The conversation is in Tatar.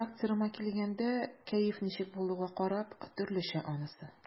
Характерыма килгәндә, кәеф ничек булуга карап, төрлечә анысы.